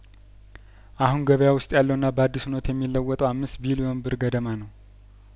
አሁን ገበያውስጥ ያለውና በአዲሱ ኖት የሚለወጠው አምስት ቢሊዮን ብር ገደማ ነው